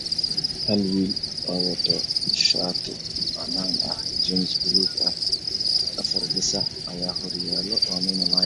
Hal wiil oo wato shaati xanan ah iyo jeemis buluug ah, afar gasac ayaa horyaala oo nuuna laak ah.